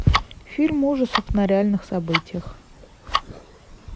фильмы ужасов на реальных событиях